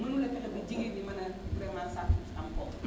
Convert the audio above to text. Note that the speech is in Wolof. mënula fexe ba jigéen ñi mën a vraiment sakku am ko